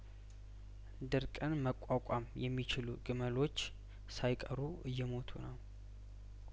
ድርቅን መቋቋም የሚችሉ ግመሎች ሳይቀሩ እየሞቱ ነው